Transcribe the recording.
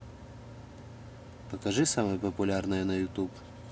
покажи самое популярное на ютуб